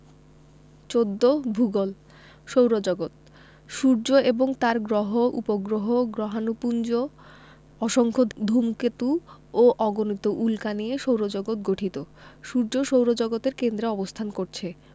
১৪ ভূগোল সৌরজগৎ সূর্য এবং তার গ্রহ উপগ্রহ গ্রহাণুপুঞ্জ অসংখ্য ধুমকেতু ও অগণিত উল্কা নিয়ে সৌরজগৎ গঠিত সূর্য সৌরজগতের কেন্দ্রে অবস্থান করছে